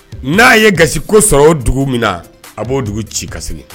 N'a ye gasi ko sɔrɔ o dugu min na a b'o dugu ci kasi